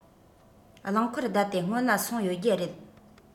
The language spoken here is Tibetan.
རླངས འཁོར བསྡད དེ སྔོན ལ སོང ཡོད རྒྱུ རེད